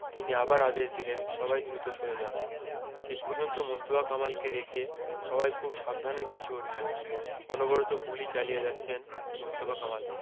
তিনি আবার আদেশ দিলেন সবাই দ্রুত সরে যান শেষ পর্যন্ত মোস্তফা কামালকে রেখে সবাই খুব সাবধানে পিছু হটলেন অনবরত গুলি চালিয়ে যাচ্ছেন মোস্তফা কামাল